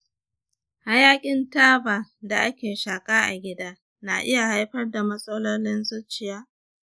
hayaƙin taba da ake shaƙa a gida na iya haifar da matsalolin zuciya?